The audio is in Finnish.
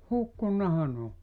hukkunuthan ne on